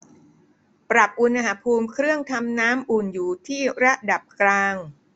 ปรับอุณหภูมิเครื่องทำน้ำอุ่นอยู่ที่ระดับกลาง